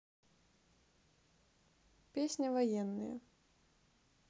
песня военные